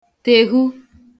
tèhu